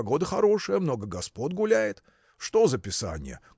погода хорошая, много господ гуляет. Что за писанье?